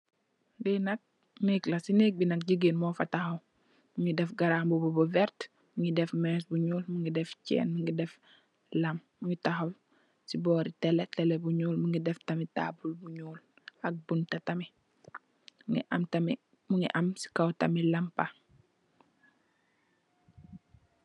Li nak nèk la, ci nèk bi nak jigeen mó fa taxaw mugii def garambubu bu werta mugii def més bu ñuul mugii def cèèn mugii dèf lam, mugii taxaw ci bóri teleh, teleh bu ñuul mugii def tamit tabull bu ñuul ak bunta tamii, mugii am ci kaw tamit lampa.